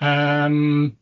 yym